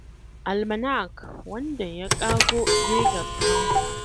Almanac: Wanda ya ƙago Geiger Counter